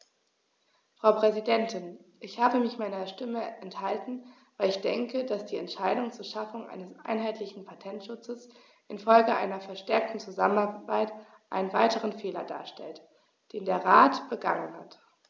Frau Präsidentin, ich habe mich meiner Stimme enthalten, weil ich denke, dass die Entscheidung zur Schaffung eines einheitlichen Patentschutzes in Folge einer verstärkten Zusammenarbeit einen weiteren Fehler darstellt, den der Rat begangen hat.